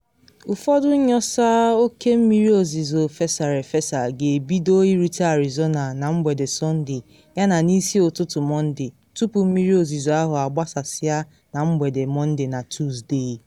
Ụfọdụ nyọsa oke mmiri ozizo fesara efesa ga-ebido irute Arizona na mgbede Sọnde yana n’isi ụtụtụ Mọnde, tupu mmiri ozizo ahụ agbasasịa na mgbede Mọnde na Tusde.